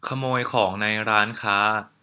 ขโมยของในร้านค้า